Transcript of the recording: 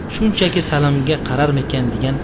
shunchaki salimga qararmikan